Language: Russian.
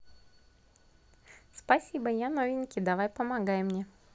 спасибо я новенький давай помогай мне